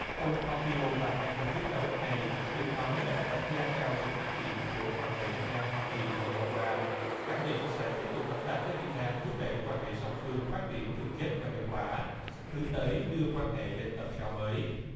ông pom pi ô và hai quan chức cao cấp này được nói là đã đánh giá cao sự phát triển của quan hệ việt nam hoa kỳ thời gian qua khẳng định sẽ tiếp tục hợp tác với việt nam thúc đẩy quan hệ song phương phát triển thực chất và hiệu quả hướng tới đưa quan hệ lên tầm cao mới